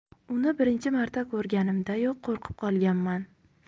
uni birinchi marta ko'rganimdayoq qo'rqib qolganman